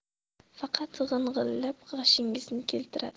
faqat g'ing'illab g'ashingizni keltiradi